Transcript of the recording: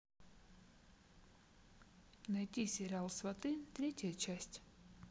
найти сериал сваты третья часть